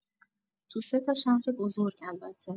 تو سه‌تا شهر بزرگ‌تر البته